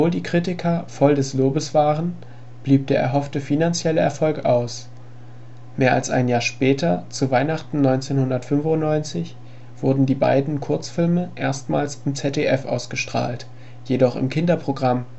die Kritiker voll des Lobes waren, blieb der erhoffte finanzielle Erfolg aus. Mehr als ein Jahr später, zu Weihnachten 1995, wurden die beiden Kurzfilme erstmals im ZDF ausgestrahlt, jedoch im Kinderprogramm